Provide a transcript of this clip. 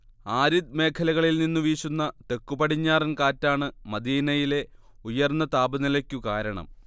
arid മേഖലകളിൽ നിന്നു വീശുന്ന തെക്കുപടിഞ്ഞാറൻ കാറ്റാണ് മദീനയിലെ ഉയർന്ന താപനിലയ്ക്കു കാരണം